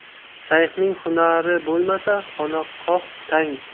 shayxning hunari bo'lmasa xonaqoh tang